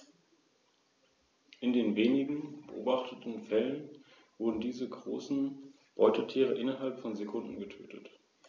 Über das Ansehen dieser Steuerpächter erfährt man etwa in der Bibel.